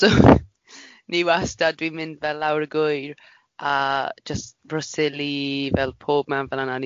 So ni wastad dwi'n mynd fel lawr y gŵyr a jyst rosyli, fel pob man fel yna.